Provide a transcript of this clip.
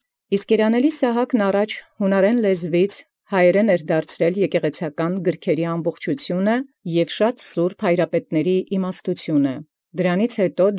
Իսկ երանելւոյն Սահակայ զեկեղեցական գրոց գումարութիւնն՝ կանխաւ ի յունական բարբառոյն ի հայերէն դարձուցեալ, և բազում ևս զհայրապետաց սրբոց զճշմարիտ զիմաստութիւնն։